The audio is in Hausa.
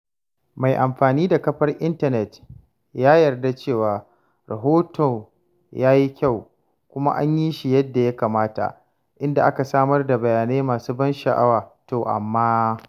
Mai amfani da kafar intanet ya yarda cewa, rahoton ya yi kyau kuma an yi shi yadda ya kamata, inda aka samar da bayanai masu ban sha'awa, to amma….